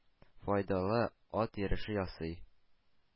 Файдалы “ат йөреше” ясый.